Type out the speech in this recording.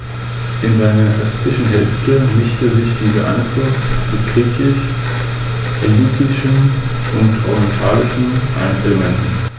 Ihr graubraunes bis schwarzes Fell kann je nach Art seidig-weich oder rau sein.